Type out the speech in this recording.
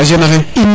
fa xa jeune axe